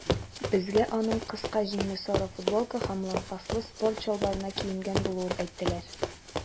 Безгә аның кыска җиңле сары футболка һәм лампаслы спорт чалбарына киенгән булуын әйттеләр.